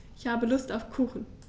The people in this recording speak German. Ich habe Lust auf Kuchen.